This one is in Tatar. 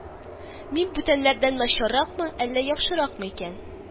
Мин бүтәннәрдән Начарракмы, әллә яхшыракмы икән